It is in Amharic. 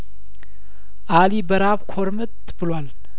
አሊ በረሀብ ኩርምት ብሏል